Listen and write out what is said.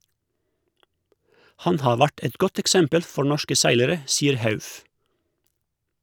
Han har vært et godt eksempel for norske seilere , sier Hauff.